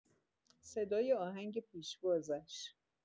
صدای آهنگ پیشوازش